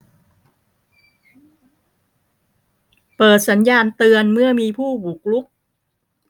เปิดสัญญาณเตือนเมื่อมีผู้บุกรุก